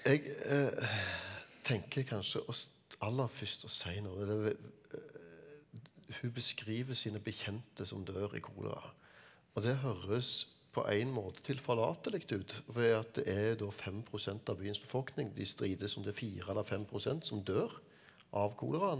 jeg tenker kanskje å aller først å si noe hun beskriver sine bekjente som dør i kolera og det høres på en måte tilforlatelig ut fordi at det er da 5% av byens befolkning de strides om det er fire eller 5% som dør av koleraen.